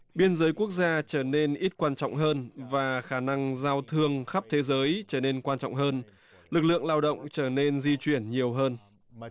biên giới quốc gia trở nên ít quan trọng hơn và khả năng giao thương khắp thế giới trở nên quan trọng hơn lực lượng lao động trở nên di chuyển nhiều hơn